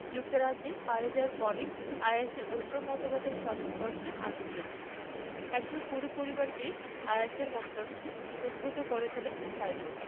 যুক্তরাজ্যে পাড়ি দেওয়ার পরই আইএসের উগ্র মতবাদের সংস্পর্শে আসেন তিনি একসময় পুরো পরিবারকেই আইএসের মতাদর্শে উদ্বুদ্ধ করে তোলেন সাইফুল